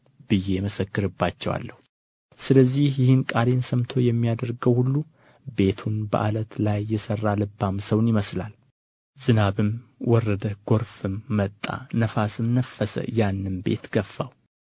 ብዬ እመሰክርባቸዋለሁ ስለዚህ ይህን ቃሌን ሰምቶ የሚያደርገው ሁሉ ቤቱን በዓለት ላይ የሠራ ልባም ሰውን ይመስላል ዝናብም ወረደ ጎርፍም መጣ ነፋስም ነፈሰ ያንም ቤት ገፋው